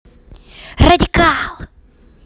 радикал